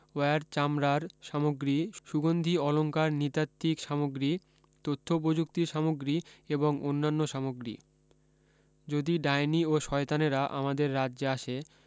wire চামড়ার সামগ্রী সুগন্ধী অলংকার নৃতাত্ত্বিক সামগ্রী তথ্য প্রযুক্তির সামগ্রী এবং অন্যান্য সামগ্রী যদি ডাইনি ও শয়তানেরা আমাদের রাজ্যে আসে